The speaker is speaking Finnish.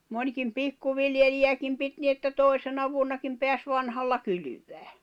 monikin pikkuviljelijäkin piti niin että toisena vuonnakin pääsi vanhalla kylvämään